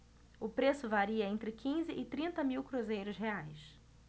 o preço varia entre quinze e trinta mil cruzeiros reais